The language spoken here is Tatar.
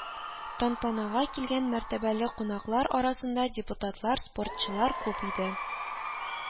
Тантанага килгән мәртәбәле кунаклар арасында депутатлар, спортчылар күп иде